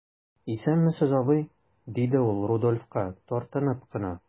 Исәнмесез, абый,– диде ул Рудольфка, тартынып кына.